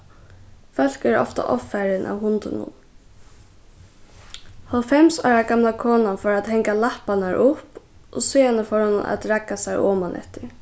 fólk eru ofta ovfarin av hundunum hálvfems ára gamla konan fór at hanga lapparnar upp og síðani fór hon at ragga sær omaneftir